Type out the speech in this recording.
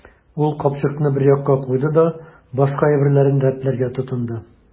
Ул капчыкны бер якка куйды да башка әйберләрен рәтләргә тотынды.